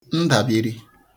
ndàbīrī